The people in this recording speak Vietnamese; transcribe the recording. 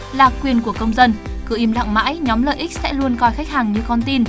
là quyền của công dân cứ im lặng mãi nhóm lợi ích sẽ luôn coi khách hàng như con tin